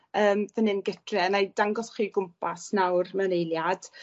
yym fan 'yn gytre. Nâi dangos chi gwmpas nawr mewn eiliad